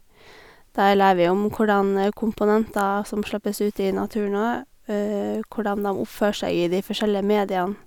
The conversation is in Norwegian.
Der lærer vi om hvordan komponenter som slippes ut i naturen, åe hvordan dem oppfører seg i de forskjellige mediene.